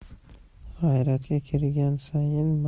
g'ayratga kirgan sayin